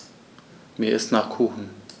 Mir ist nach Kuchen.